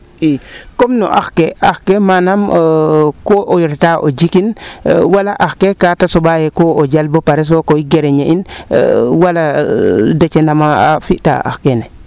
i comme no ax ke ax ke manaam ko o reta o jikin wala ax ke kaa te soɓaa yee ko o jel bo pare sokoy greñe in wala Déthié nama fi taa ax keene